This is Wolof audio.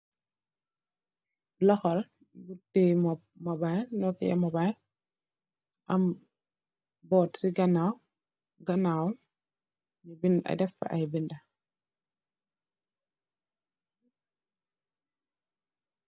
Loho bu tiye mobile, Nokia mobile.am board si ganaw wam nyu deff fa ay binda.